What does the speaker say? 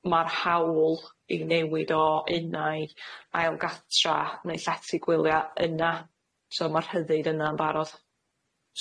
ma'r hawl i newid o un ai ai o'n gartra neu llatigwylia yna so ma'r rhyddid yna'n barod.